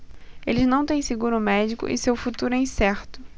eles não têm seguro médico e seu futuro é incerto